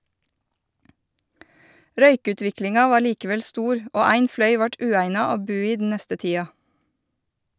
Røykutviklinga var likevel stor, og ein fløy vart ueigna å bu i den neste tida.